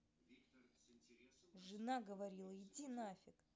жена говорила иди нафиг